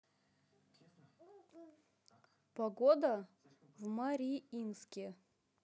погода в мариинске